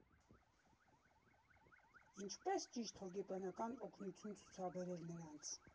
Ինչպե՞ս ճիշտ հոգեբանական օգնություն ցուցաբերել նրանց։